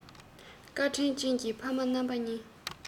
བཀའ དྲིན ཅན གྱི ཕ མ རྣམ པ གཉིས